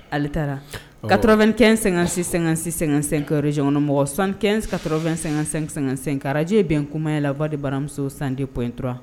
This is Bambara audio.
Ale taara kato2ɛn--sɛ-sɛsɛka z janɔn kɔnɔ mɔgɔ sanɛnka2---sɛkararajɛe bɛn kuma ye la waaa de baramuso san de p intura